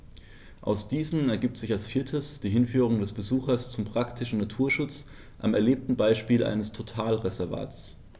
Aus diesen ergibt sich als viertes die Hinführung des Besuchers zum praktischen Naturschutz am erlebten Beispiel eines Totalreservats.